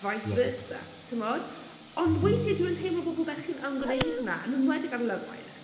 Vice versa... ie ...timod? Ond weithiau dwi yn teimlo fel bod bechgyn yn gwneud hwnna, yn enwedig ar Love Island.